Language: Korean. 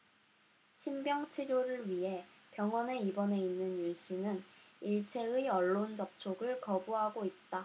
신병 치료를 위해 병원에 입원해 있는 윤씨는 일체의 언론 접촉을 거부하고 있다